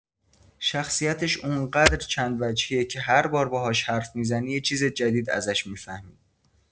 شخصیتش اونقدر چندوجهیه که هر بار باهاش حرف می‌زنی یه چیز جدید ازش می‌فهمی.